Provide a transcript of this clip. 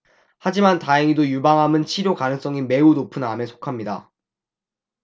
하지만 다행히도 유방암은 치료 가능성이 매우 높은 암에 속합니다